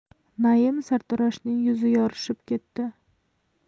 naim sartaroshning yuzi yorishib ketdi